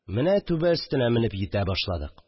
Менә түбә өстенә менеп йитә башладык